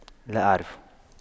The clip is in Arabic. لا أعرف